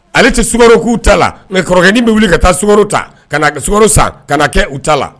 Ale tɛ sumaworo k' uu ta la nka kɔrɔkɛin bɛ wuli ka taa sumaworo ta ka san ka na kɛ u ta la